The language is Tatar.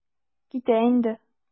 Китә инде.